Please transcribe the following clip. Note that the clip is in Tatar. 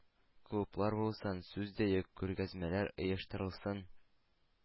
Клублар булсын, сүз дә юк, күргәзмәләр оештырылсын,